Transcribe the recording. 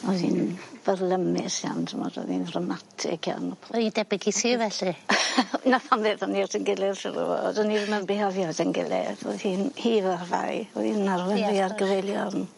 Oedd i'n fyrlymus iawn t'mod oddd i'n ddramatig iawn. Ma' 'i debyg i ti felly. Nath honno ddo' ni at 'yn gilydd siŵr o fod o'n i ddim yn bihafio 'dyn gilydd o'dd hi o'dd ar fai o'dd i'n arwen fi ar gyfeilion.